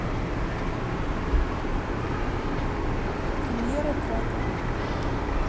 премьера трека